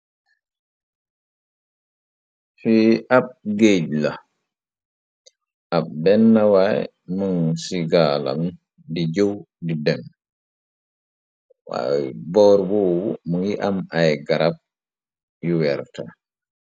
Fii ab géej la, ab benna waay mungi ci gaalam di jëw di dem, waay boor boobu mu ngi am ay garab yu werte.